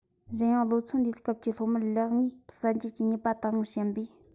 གཞན ཡང ལོ ཚོད འདིའི སྐབས ཀྱི སློབ མར ལེགས ཉེས གསལ འབྱེད ཀྱི ནུས པ ད རུང ཞན པས